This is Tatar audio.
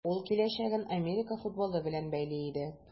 Ул киләчәген Америка футболы белән бәйли иде.